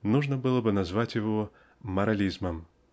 нужно было бы назвать его морализмом.